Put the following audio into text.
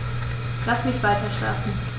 Lass mich weiterschlafen.